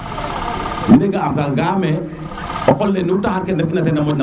mi de ga'am kaga ga ame o qol nu taxar ke ndef ina ten rek te moƴo bag ta